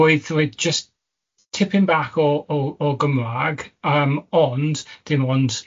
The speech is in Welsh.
### roedd roedd jyst tipyn bach o o o Gymraeg yym ond dim ond